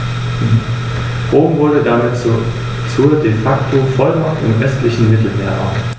Diese Delegation von Aufgaben ermöglichte es den Römern, mit einer sehr kleinen zentralen Administration operieren zu können.